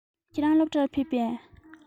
ཁྱེད རང སློབ གྲྭར ཕེབས པས